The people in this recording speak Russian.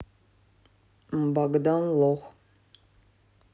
богдан лох